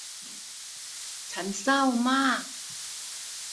ฉันเศร้ามาก